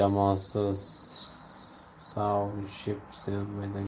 jamoasi sauthempton maydoniga safar qildi